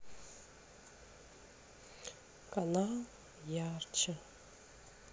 канал ярче